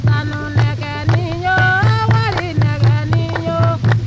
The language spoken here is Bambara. sanunɛgɛnin yo warinɛgɛnin yo